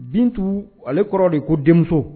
Bintu ale kɔrɔ de ko denmuso.